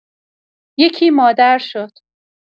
یکی مادر شد.